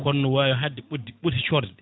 kono ne wawi hadde ɓoddi ɓooti corde